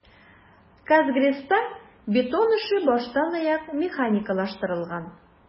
"казгрэс"та бетон эше баштанаяк механикалаштырылган.